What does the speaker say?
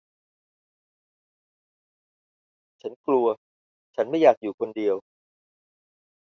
ฉันกลัวฉันไม่อยากอยู่คนเดียว